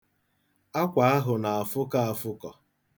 Akwa ahụ na-afụkọ afụkọ.